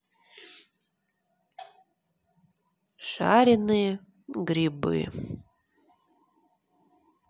жаренные грибы